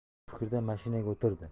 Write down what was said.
shu fikrda mashinaga o'tirdi